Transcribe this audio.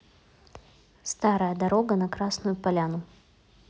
старая дорога на красную поляну